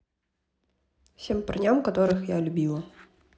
всем парням которых я любила